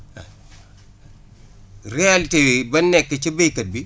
waa réalités yi ba nekk ca béykat bi